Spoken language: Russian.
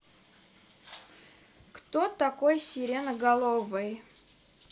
кто такой сиреноголовый